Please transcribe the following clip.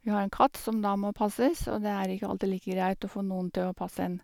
Vi har en katt som da må passes, og det er ikke alltid like greit å få noen til å passe en